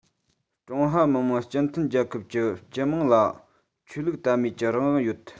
ཀྲུང ཧྭ མི དམངས སྤྱི མཐུན རྒྱལ ཁབ ཀྱི སྤྱི དམངས ལ ཆོས ལུགས དད མོས ཀྱི རང དབང ཡོད